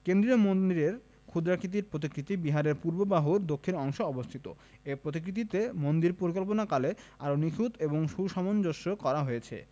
কেন্দ্রীয় মন্দিরের ক্ষুদ্রাকৃতির প্রতিকৃতি বিহারের পূর্ব বাহুর দক্ষিণ অংশে অবস্থিত এ প্রতিকৃতিতে মন্দির পরিকল্পনাকে আরও নিখুঁত এবং সুসমঞ্জস করা হয়েছে